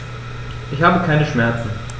Ich habe keine Schmerzen.